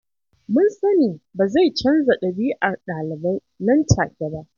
‘Mun sani ba zai canza ɗabi’ar ɗalibai nan take ba.